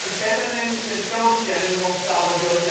permanente tentoonstelling rond Salvador